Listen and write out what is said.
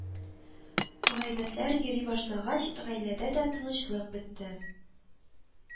Гайбәтләр йөри башлагач, гаиләдә дә тынычлык бетте